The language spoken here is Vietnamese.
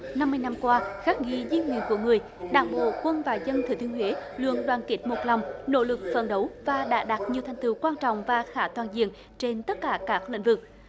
năm mươi năm qua khắc ghi di nguyện của người đảng bộ quân và dân thừa thiên huế luôn đoàn kết một lòng nỗ lực phấn đấu và đã đạt nhiều thành tựu quan trọng và khá toàn diện trên tất cả các lĩnh vực